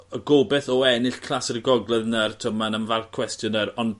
Y gobeth o ennill clasur y Gogledd nawr t'wo' ma' 'na farc cwestiwn nawr on'